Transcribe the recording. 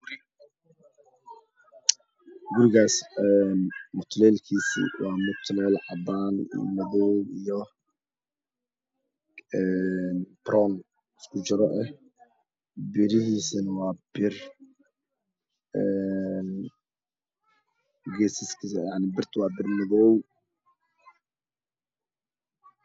Gurigan mutuleel cadan iyo baron isku jira ah birta ku xiran waa madoow